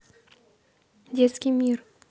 детский мир